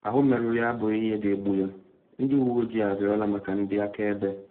Ahụ mmerụ ya abụghị ihe ga-egbu ya, ndị uwe ojii arịọla maka ndị akaebe.